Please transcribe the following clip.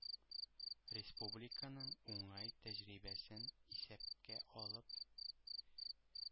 – республиканың уңай тәҗрибәсен исәпкә алып,